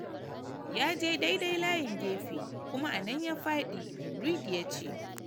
Ya je daidai layin gefe kuma anan ya fadi”, Reed yace.